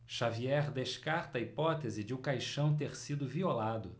xavier descarta a hipótese de o caixão ter sido violado